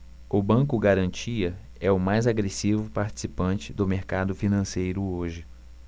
o banco garantia é o mais agressivo participante do mercado financeiro hoje